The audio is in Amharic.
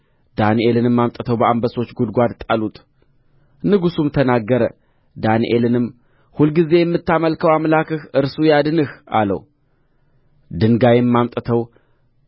ዳንኤልንም አምጥተው በአንበሶች ጕድጓድ ጣሉት ንጉሡም ተናገረ ዳንኤልንም ሁልጊዜ የምታመልከው አምላክህ እርሱ ያድንህ አለው ድንጋይም አምጥተው